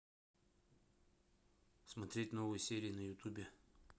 смотреть новые серии на ютубе